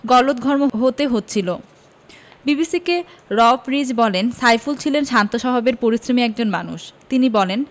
গলদঘর্ম হতে হচ্ছিল বিবিসিকে রব রিজ বলেন সাইফুল ছিলেন শান্ত স্বভাবের পরিশ্রমী একজন মানুষ তিনি বলেন